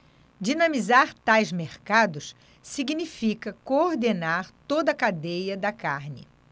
dinamizar tais mercados significa coordenar toda a cadeia da carne